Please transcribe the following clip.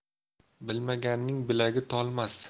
bilmaganning bilagi tolmas